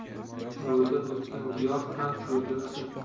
cho'lda o'sgan giyoh ham cho'lga husn